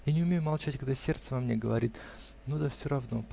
Я не умею молчать, когда сердце во мне говорит. Ну, да всё равно.